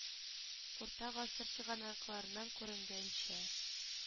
Урта гасыр чыганакларыннан күренгәнчә